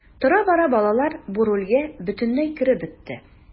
Тора-бара балалар бу рольгә бөтенләй кереп бетте.